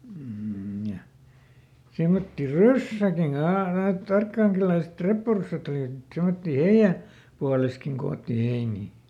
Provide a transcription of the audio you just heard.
mm ja semmoisia ryssäkin - näet arkangelilaiset reppuryssät olivat niin semmoisia heidän puolessakin koottiin heiniä